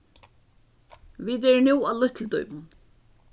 vit eru nú á lítlu dímun